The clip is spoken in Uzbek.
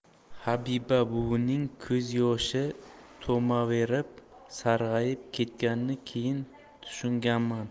habiba buvining ko'z yoshi tomaverib sarg'ayib ketganini keyin tushunganman